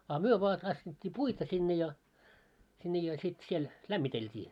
a me vain tanssittiin puita sinne ja sinne ja sitten siellä lämmiteltiin